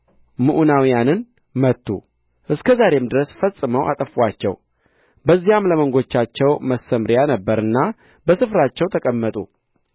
ምዑናውያንን መቱ እስከ ዛሬም ድረስ ፈጽመው አጠፉአቸው በዚያም ለመንጎቻቸው መሰምርያ ነበረና በስፍራቸው ተቀመጡ